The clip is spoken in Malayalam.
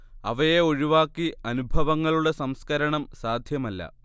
അവയെ ഒഴിവാക്കി അനുഭവങ്ങളുടെ സംസ്കരണം സാധ്യമല്ല